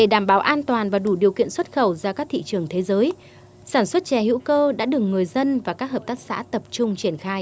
để đảm bảo an toàn và đủ điều kiện xuất khẩu ra các thị trường thế giới sản xuất chè hữu cơ đã được người dân và các hợp tác xã tập trung triển khai